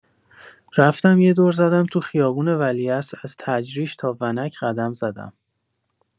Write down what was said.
رفتم یه دور زدم تو خیابون ولیعصر، از تجریش تا ونک قدم زدم.